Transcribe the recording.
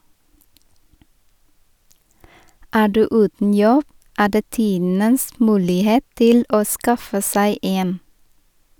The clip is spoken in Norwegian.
Er du uten jobb, er det tidenes mulighet til å skaffe seg en.